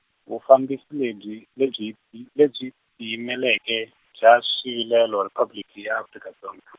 Vufambisi lebyi lebyi ley- lebyi Tiyimeleke bya Swivilelo Riphabliki ya Afrika Dzonga.